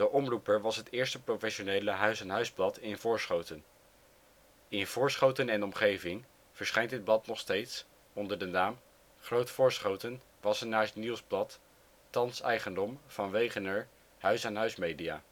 Omroeper was het eerste professionele huis-aan-huisblad in Voorschoten. In Voorschoten en omgeving verschijnt dit blad nog steeds onder de naam Groot Voorschoten/Wassenaars Nieuwsblad, thans eigendom van Wegener huis-aan-huisMedia